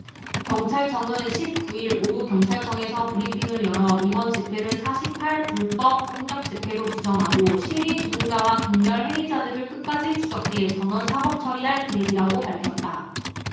경찰청은 십 구 일 오후 경찰청에서 브리핑을 열어 이번 집회를 사 십 팔 불법 폭력 집회로 규정하고 시위 주동자와 극렬 행위자들을 끝까지 추적해 전원 사법처리할 계획이라고 밝혔다